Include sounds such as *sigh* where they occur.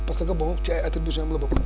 parce que bon ci ay attribution am la bokk *noise*